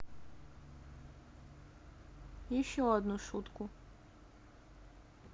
еще одну шутку